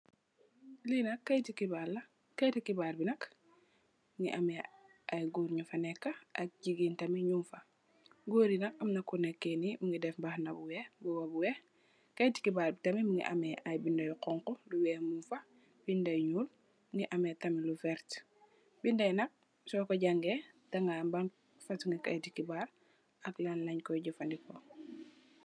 Li nak kayetu kibaar la, kayetu kibaar bi mungi ameh ay gòor nu fa nekka ak jigéen tamit nung fa. Gòor yi nak amna ku nekk ni mungi deff mbahana bu weeh, mbuba bu weeh. Kayiti kibaar bi tamit mungi ameh ay binda yu honku, yu weeh mung fa, binda yu ñuul, mungi ameh tamit lu vert. Binda yi nak soko jàngay daga ham ban fasungi kayetu kibaar ak lan leen koy jafadeko.